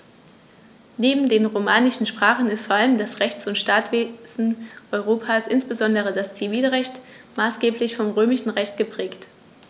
Neben den romanischen Sprachen ist vor allem das Rechts- und Staatswesen Europas, insbesondere das Zivilrecht, maßgeblich vom Römischen Recht geprägt.